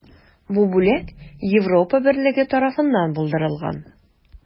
Бу бүләк Европа берлеге тарафыннан булдырылган.